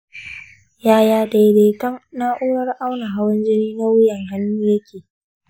yaya daidaiton na’urar auna hawan jini na wuyan hannu yake?